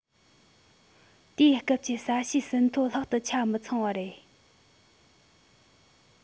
དེའི སྐབས ཀྱི ས གཤིས ཟིན ཐོ ལྷག ཏུ ཆ མི ཚང བ རེད